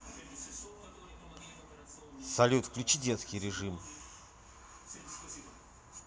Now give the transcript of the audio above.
салют выключи детский режим